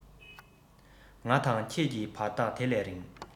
ང དང ཁྱོད ཀྱི བར ཐག དེ ལས རིང